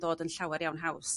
dod yn llawer iawn haws.